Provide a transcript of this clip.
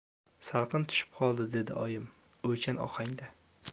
salqin tushib qoldi dedi oyim o'ychan ohangda